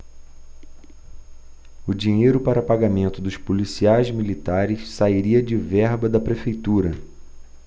o dinheiro para pagamento dos policiais militares sairia de verba da prefeitura